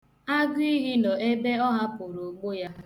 Agụiyi nọ ebe ọ hapụrụ ụgbụ ya.